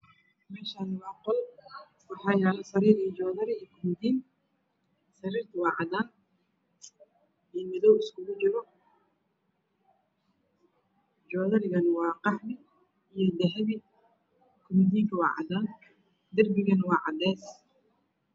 Meeshan waa qol waxaa yaalo sariir iyo joodari koomadiin sariirta waa cadaan iyo madoow iskugujiro joodarigana waa qaxwi iyo dahabi koomadiinka waa cadaan darbigana waa cadees